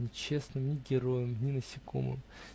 ни честным, ни героем, ни насекомым.